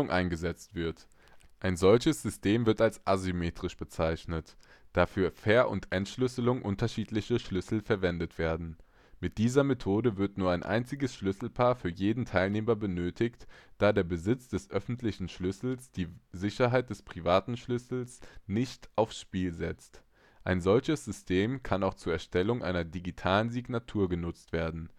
eingesetzt wird. Ein solches System wird als asymmetrisch bezeichnet, da für Ver - und Entschlüsselung unterschiedliche Schlüssel verwendet werden. Mit dieser Methode wird nur ein einziges Schlüsselpaar für jeden Teilnehmer benötigt, da der Besitz des öffentlichen Schlüssels die Sicherheit des privaten Schlüssels nicht aufs Spiel setzt. Ein solches System kann auch zur Erstellung einer digitalen Signatur genutzt werden